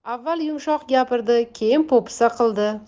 avval yumshoq gapirdi keyin po'pisa qildi